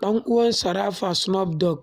Ɗan uwansa rapper Snoop Dogg